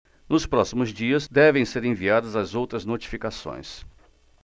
nos próximos dias devem ser enviadas as outras notificações